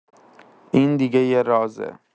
این دیگه یه رازه!